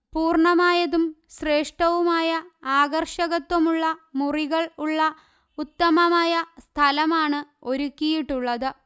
പൂർണമായതും ശ്രേഷ്ഠവുമായ ആകർഷകത്വമുള്ള മുറികൾ ഉള്ള ഉത്തമമായ സ്ഥലമാണ് ഒരുക്കിയിട്ടുള്ളത്